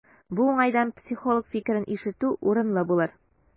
Бу уңайдан психолог фикерен ишетү урынлы булыр.